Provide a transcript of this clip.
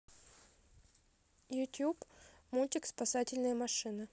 ютьюб мультик спасательные машины